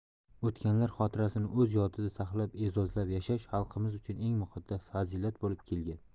o'tganlar xotirasini o'z yodida saqlab e'zozlab yashash xalqimiz uchun eng muqaddas fazilat bo'lib kelgan